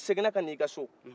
n'i seginnan kana i ka so